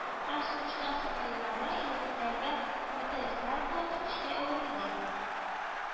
Һәм сугыштан соңгы елларда илебездәге мэтэслар куәтле көчкә әверелде